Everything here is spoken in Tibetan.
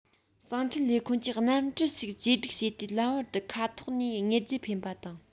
གསང འཕྲིན ལས ཁུངས ཀྱིས གནམ གྲུ ཞིག བཅོས སྒྲིག བྱས ཏེ ལམ བར དུ མཁའ ཐོག ནས དངོས རྫས འཕེན པ དང